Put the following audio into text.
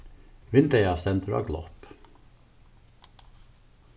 vindeygað stendur á glopp